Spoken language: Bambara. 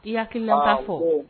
I hakilinan ta fɔ.